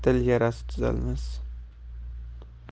ham dil yarasi tuzalmas